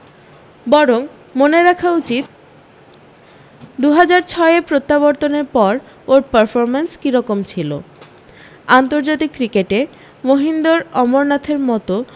বরং মনে রাখা উচিত দু হাজার ছয়ে প্রত্যাবর্তনের পর ওর পারফরম্যান্স কী রকম ছিল আন্তর্জাতিক ক্রিকেটে মহিন্দর অমরনাথের মতো